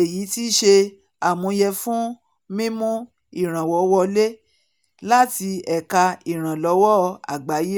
èyi tíí ṣe àmúyẹ fún mímú ìrànwọ́ wọlé láti ẹ̀ka ìrànlọ́wọ́ àgbáyé.